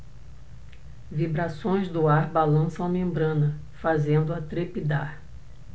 vibrações do ar balançam a membrana fazendo-a trepidar